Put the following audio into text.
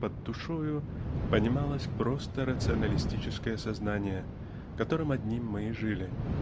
под "душою" понималось просто рационалистическое сознание которым одним мы и жили.